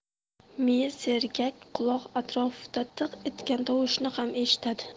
miya sergak quloq atrofda tiq etgan tovushni ham eshitadi